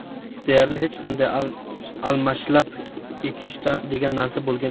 shu bois deyarli hech qanday almashlab ekish degan narsa bo'lgan emas